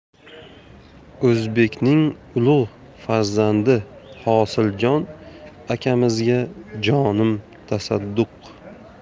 o'zbekning ulug' farzandi hosiljon akamizga jonim tasadduq